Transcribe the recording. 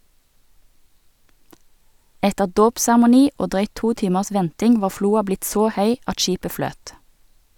Etter dåpsseremoni og drøyt to timers venting var floa blitt så høy at skipet fløt.